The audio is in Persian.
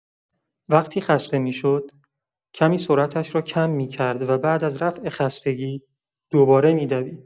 وقتی خسته می‌شد، کمی سرعتش را کم می‌کرد و بعد از رفع خستگی، دوباره می‌دوید.